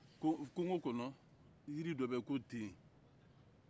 kungo kɔnɔ jiri dɔ bɛ yen ko nten